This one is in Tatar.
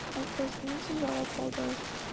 Ә сез нинди җавап алдыгыз?